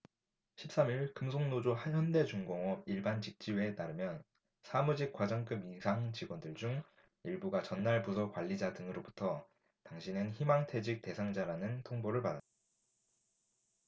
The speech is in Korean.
십 삼 일 금속노조 현대중공업 일반직지회에 따르면 사무직 과장급 이상 직원들 중 일부가 전날 부서 관리자 등으로부터 당신은 희망퇴직 대상자라는 통보를 받았다